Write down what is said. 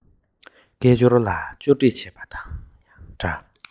སྐད ཅོར ལ ཅོ འདྲི བྱེད པ དང ཡང འདྲ